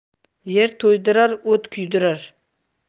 yer to'ydirar o't kuydirar